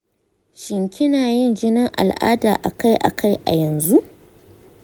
shin kina yin jinin al'ada a kai a kai a yanzu?